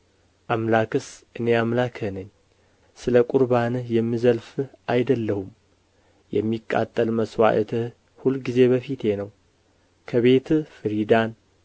አምላክስ እኔ አምላክህ ነኝ ስለ ቍርባንህ የምዘልፍህ አይደለሁም የሚቃጠል መሥዋዕትህ ሁልጊዜ በፊቴ ነው ከቤትህ ፍሪዳን